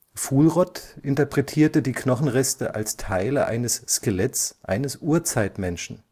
Fuhlrott interpretierte die Knochenreste als Teile eines Skeletts eines Urzeitmenschen